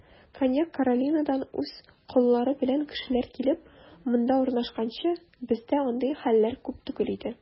Көньяк Каролинадан үз коллары белән кешеләр килеп, монда урнашканчы, бездә андый хәлләр күп түгел иде.